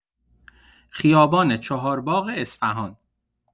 خیابان چهارباغ اصفهان